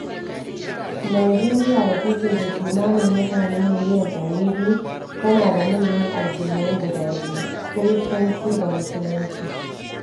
Nijeriya da take da kimanin mutane miliyon 200, tana da manyan addinai guda biyu: Kiristanci da Musulunci.